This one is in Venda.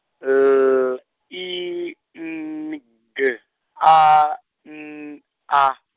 L, I, N, G, A, N, A.